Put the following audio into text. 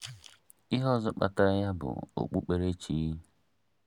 Ihe ọzọ kpatara ya bụ okpukperechi.